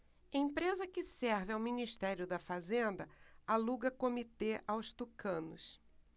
empresa que serve ao ministério da fazenda aluga comitê aos tucanos